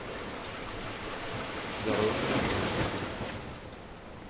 дорожный знак